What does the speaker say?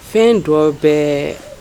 Fɛn dɔ bɛ